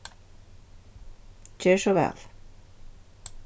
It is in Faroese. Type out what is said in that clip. ger so væl